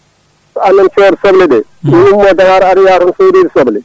ko Allah e mum serde sobleɗe o ummo Dakar o aroya toon sodoyde soble